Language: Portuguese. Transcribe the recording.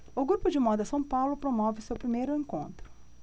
o grupo de moda são paulo promove o seu primeiro encontro